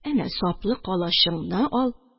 Әнә саплы калачыңны ал